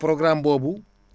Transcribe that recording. programme boobu